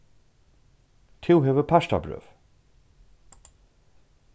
tú hevur partabrøv